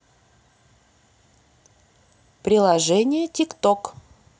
приложение тик ток